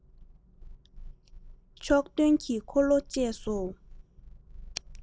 ཕྱོགས སྟོན གྱི འཁོར ལོ བཅས སོ